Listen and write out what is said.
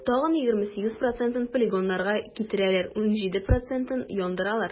Тагын 28 процентын полигоннарга китерәләр, 17 процентын - яндыралар.